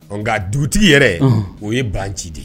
Nka nka dugutigi yɛrɛ o ye banci de ye